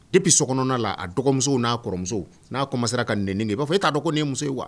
Depuis sokɔnɔ na a dɔgɔmusow n'a kɔrɔmuso n'a commencera ka n'i kɛ u b'a fɔ e t'a dɔn ko ni ye muso wa?